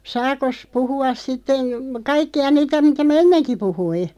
saakos puhua sitten kaikkia niitä mitä minä ennenkin puhuin